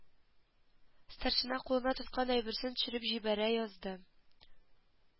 Старшина кулына тоткан әйберсен төшереп җибәрә язды